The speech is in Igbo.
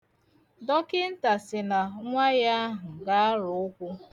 Dọkịnta sị na nwa ya ahụ ga-arụ ụkwụ.